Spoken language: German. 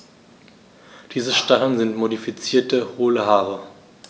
Diese Stacheln sind modifizierte, hohle Haare.